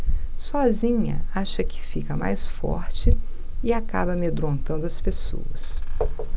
sozinha acha que fica mais forte e acaba amedrontando as pessoas